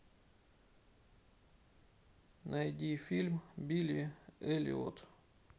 найди фильм билли эллиот